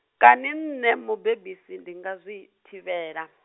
kani nṋe mubebisi ndi nga zwi, thivhela?